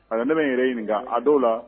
Parce que ne bɛ n yɛrɛ ɲininka a dɔw la